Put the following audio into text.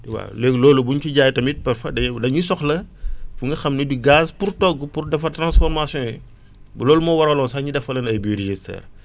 waaw léegi loolu buñ ci jaay tamit parfois da ngay dañuy soxla fu nga xam ne di gaz pour togg pour defar transformation yooyu ba loolu moo waraloon sax ñu defal leen ay biodigesteur